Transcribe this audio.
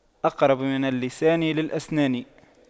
أقرب من اللسان للأسنان